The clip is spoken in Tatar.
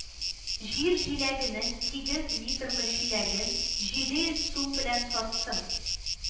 Җир җиләгенең сигез литрлы чиләген җиде йөз сум белән саттым